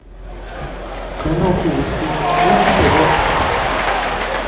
канал твц найди пожалуйста